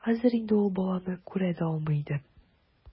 Хәзер инде ул баланы күрә дә алмый иде.